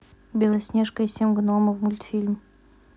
белоснежка и семь гномов мультфильм